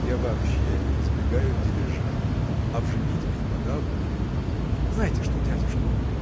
– Я вообще избегаю дележа, а в женитьбе и подавно. – Знаете что, дядюшка?